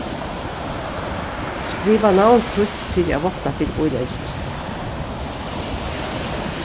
skriva navn títt fyri at vátta fyri bíleggingina